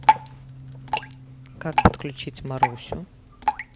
как подключить марусю